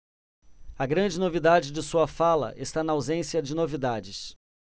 a grande novidade de sua fala está na ausência de novidades